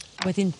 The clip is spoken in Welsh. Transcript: a wedyn